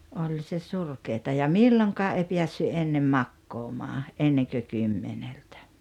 oli se surkeaa ja milloinkaan ei päässyt ennen makaamaan ennen kuin kymmeneltä